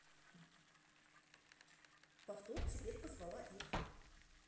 повтор теперь позвала их